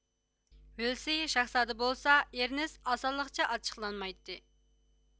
ۋىلسېي شاھزادە بولسا ئېرنېست ئاسانلىقچە ئاچچىقلانمايتتى